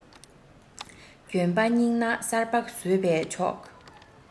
གྱོན པ རྙིངས ན གསར པ བཟོས པས ཆོག